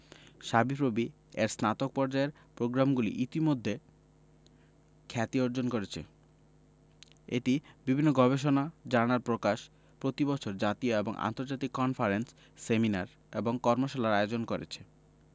সাবিপ্রবি এর স্নাতক পর্যায়ের পগ্রামগুলি ইতোমধ্যে খ্যাতি অর্জন করেছে এটি বিভিন্ন গবেষণা জার্নাল প্রকাশ প্রতি বছর জাতীয় এবং আন্তর্জাতিক কনফারেন্স সেমিনার এবং কর্মশালার আয়োজন করছে